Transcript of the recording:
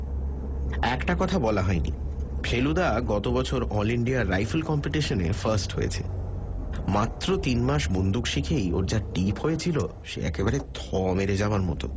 একটা কথা বলা হয়নিফেলুদা গত বছর অল ইন্ডিয়া রাইফল কম্পিটিশনে ফাস্ট হয়েছে মাত্র তিনমাস বন্দুক শিখেই ওর যা টিপ হয়েছিল সে একেবারে থ মেরে যাবার মতো